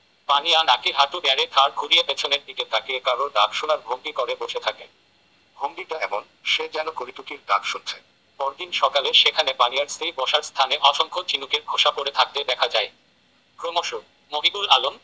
পানিয়া নাকি হাঁটু গেড়ে ঘাড় ঘুরিয়ে পেছনের দিকে তাকিয়ে কারও ডাক শোনার ভঙ্গি করে বসে থাকে ভঙ্গিটা এমন সে যেন করিটুকির ডাক শুনছে পরদিন সকালে সেখানে পানিয়ার সেই বসার স্থানে অসংখ্য ঝিনুকের খোসা পড়ে থাকতে দেখা যায় ক্রমশ মহিবুল আলম